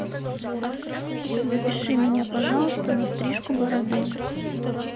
запиши меня пожалуйста на стрижку бороды